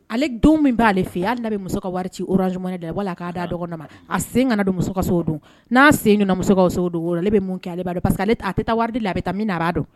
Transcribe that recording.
Ale don min b'a ale fɛ yen; 'ale n'ale bɛ muso ka wari ci orange money fɛ wali a ka d'a dɔgɔnnin dɔ man, a sen kana don muso ka so o don, n'a sen donna muso ka so o don , ne bɛ mun kɛ ale b'a dɔn parce que ale a tɛ taa wari di la a taa min na a b'a dɔn.